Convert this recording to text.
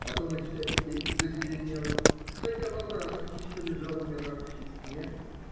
Потом и вся степь зазеленела, хоть в оврагах еще лежал умиравший снег.